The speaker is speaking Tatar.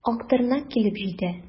Актырнак килеп җитә.